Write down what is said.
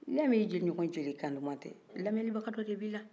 ni y'a mɛ i ɲɔgɔn jeli kan duman tɛ alamɛni baga don de b'ila